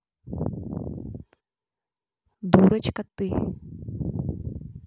дурочка ты